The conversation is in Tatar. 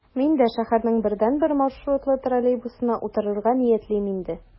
Мин дә шәһәрнең бердәнбер маршрутлы троллейбусына утырырга ниятлим инде...